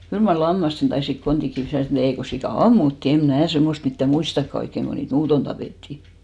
kyllä mar lammasten taisivat kontit kiinni sitten olla ei kun sika ammuttiin en minä semmoista mitään muistakaan oikein kun niitä muuten tapettiin